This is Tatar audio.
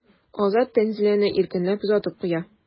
Азат Тәнзиләне иркенләп озатып куя.